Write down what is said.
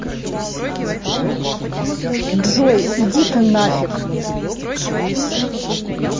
джой иди ты нафиг